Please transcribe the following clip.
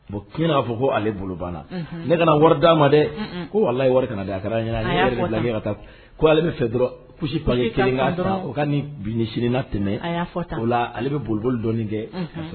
Bon tiɲɛ'a fɔ ko ale bolo banna ne kana d'a ma dɛ ko ala kana na da taa ko ale fɛ dɔrɔnsi pan ka nin bi ɲɛsinina tɛmɛ ale bɛ bolioli dɔɔni dɛ